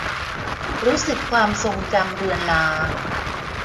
รู้สึกความทรงจำเลือนราง